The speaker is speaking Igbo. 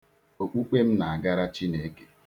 Okpukpe m na-agara Chineke.